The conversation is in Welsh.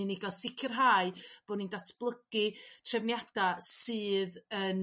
i ni ga'l sicrhau bo' ni'n datblygu trefniada' sydd yn